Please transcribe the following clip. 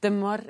dymor